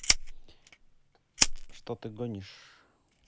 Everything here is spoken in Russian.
что ты гонишь